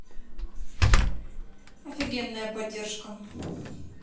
офигенная поддержка